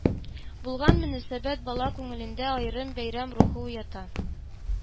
Булган мөнәсәбәт бала күңелендә аерым бәйрәм рухы уята